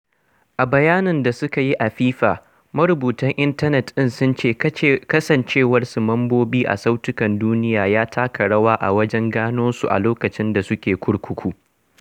A bayanin da suka yi a FIFA, marubutan intanet ɗin sun ce kasancewarsu mambobi a Sautukan Duniya ya taka rawa a wajen gano su a lokacin da suke kurkuku.